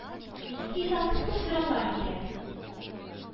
Хисапсыз күп сораулар бирә,